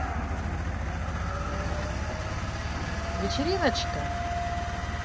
вечериночка